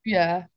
Ie.